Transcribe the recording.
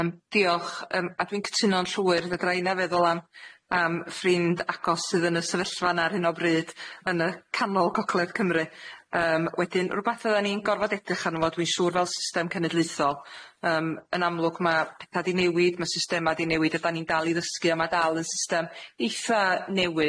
Yym diolch yym a dwi'n cytuno'n llwyr fedra inna feddwl am am ffrind agos sydd yn y sefyllfa 'na ar hyn o bryd yn y canol gogledd Cymru, yym wedyn rwbath fyddan ni'n gorfod edrych arno fo dwi'n siŵr fel system cenedlaethol yym yn amlwg ma' petha di newid ma' systema di newid ydan ni'n dal i ddysgu a ma' dal yn system eitha newydd.